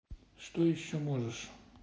что еще можешь